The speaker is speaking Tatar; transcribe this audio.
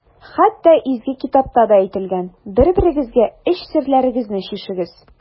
Хәтта Изге китапта да әйтелгән: «Бер-берегезгә эч серләрегезне чишегез».